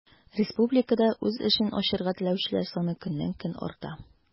Республикада үз эшен ачарга теләүчеләр саны көннән-көн арта.